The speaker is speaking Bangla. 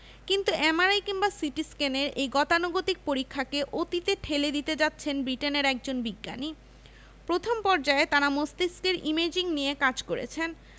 কিন্তু এমআরআই কিংবা সিটিস্ক্যানের এই গতানুগতিক পরীক্ষাকে অতীতে ঠেলে দিতে যাচ্ছেন ব্রিটেনের একজন বিজ্ঞানী প্রথম পর্যায়ে তারা মস্তিষ্কের ইমেজিং নিয়ে কাজ করেছেন